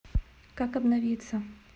как обновиться